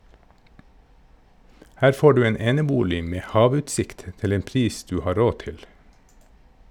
Her får du enebolig med havutsikt til en pris du har råd til.